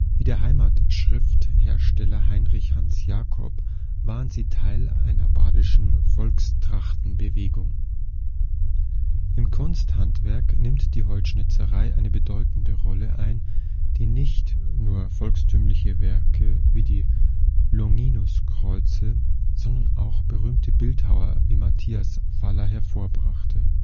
Wie der Heimatschriftsteller Heinrich Hansjakob waren sie Teil einer badischen Volkstrachtenbewegung. Im Kunsthandwerk nimmt die Holzschnitzerei eine bedeutende Rolle ein, die nicht nur volkstümliche Werke wie die Longinuskreuze, sondern auch berühmte Bildhauer wie Matthias Faller hervorbrachte